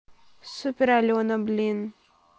супер алена блин